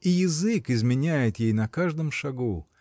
И язык изменяет ей на каждом шагу